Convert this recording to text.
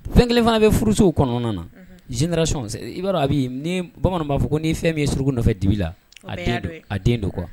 Fɛn kelen fana bɛ furusow kɔnɔna na j sɔn i b'a dɔn a bɛ ni bamananw b'a fɔ ko ni fɛn min ye suru nɔfɛ dibi la a a den don kuwa